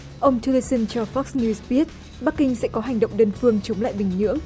ông tiu lơ xơn cho phóc niu biết bắc kinh sẽ có hành động đơn phương chống lại bình nhưỡng